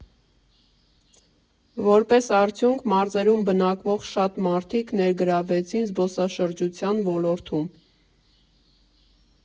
Որպես արդյունք մարզերում բնակվող շատ մարդիկ ներգրավվեցին զբոսաշրջության ոլորտում։